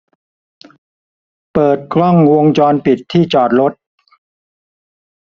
เปิดกล้องวงจรปิดที่จอดรถ